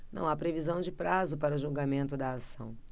não há previsão de prazo para o julgamento da ação